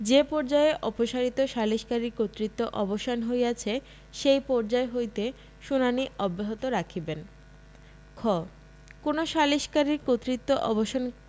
যে পর্যায়ে অপসারিত সালিসকারীর কর্তৃক্ব অবসান হইয়াছে সেই পর্যায় হইতে শুনানী অব্যাহত রাখিবেন খ কোন সালিসকারীর কর্তৃত্ব অবসান